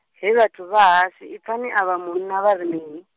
hee vhathu vha hashu i pfani a vha munna vha ri mini.